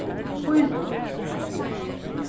píl upp